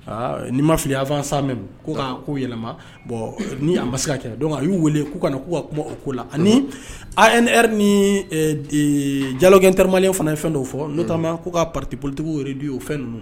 Ni maa fɔ i'fa sa mɛn ko ka ko yɛlɛma bɔn ni an ma se ka kɛlɛ dɔn a y'u weele k'u kana na k ka kuma o ko la ani ni jakɛ terimalen fana ye fɛn' fɔ n'o ko ka pati politigiwdu ye o fɛn ninnu